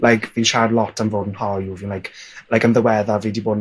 like fi'n siarad lot am fod yn hoyw, fi'n like, like yn ddiweddar fi 'di bod yn